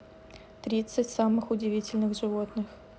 тридцать самых удивительных животных